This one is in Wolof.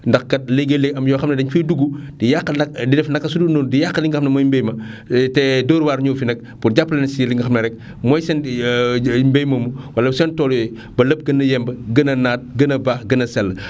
ndax kat léegi-léeg am yoo xam ne dañ fay dugg di yàqal nag di def nafa su dul noonu di yàq li nga xam ne mooy mbay ma te Dóor waar ñëw fi nag pour jàppale leen si li nga xam ne rek mooy seen mbay moomu wala seen tool yooyu ba lépp gën a yemb gën a naat gën a baax gën a sell